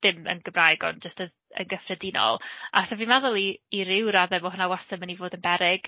Dim yn Gymraeg, ond jyst yn yn gyffredinol, a so fi'n meddwl i i ryw radde bod hwnna'n wastad yn mynd i fod yn beryg.